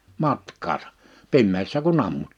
matkaansa pimeässä kun ammuin